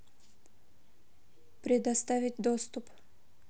предоставить доступ